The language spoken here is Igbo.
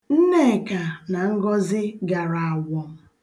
Nneka na Ngọzị gara awọm.